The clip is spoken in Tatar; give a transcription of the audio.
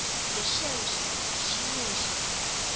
— яшәү өчен! җиңү өчен